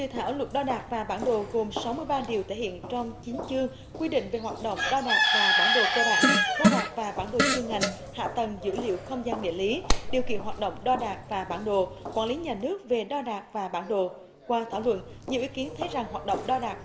dự thảo luật đo đạc và bản đồ gồm sáu mươi ba điều thể hiện trong chính chương quy định về hoạt động đo đạc và bản đồ cơ bản đo đạc và bản đồ chuyên ngành hạ tầng dữ liệu không gian địa lý điều kiện hoạt động đo đạc và bản đồ quản lý nhà nước về đo đạc và bản đồ qua thảo luận nhiều ý kiến thấy rằng hoạt động đo đạc và